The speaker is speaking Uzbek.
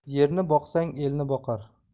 yerni boqsang elni boqar